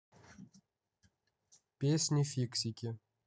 песни фиксики